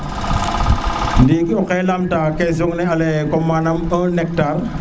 ndiki o xey lam ta question ne e manam 1hectar